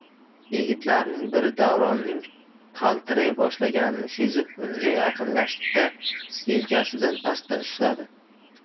yigitlarning biri davronning qaltiray boshlaganini sezib unga yaqinlashdi da yelkasidan asta ushladi